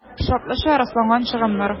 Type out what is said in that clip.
«шартлыча расланган чыгымнар»